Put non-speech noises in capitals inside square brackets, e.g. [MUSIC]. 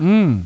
[HESITATION] [HESITATION]